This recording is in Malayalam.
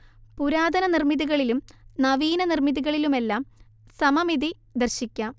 പുരാതന നിർമിതികളിലും നവീനനിർമിതികളിലുമെല്ലാം സമമിതി ദർശിക്കാം